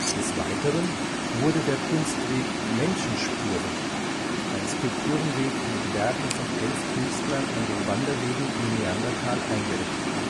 Des Weiteren wurde der Kunstweg MenschenSpuren, ein Skulpturenweg mit Werken von 11 Künstlern an den Wanderwegen im Neandertal eingerichtet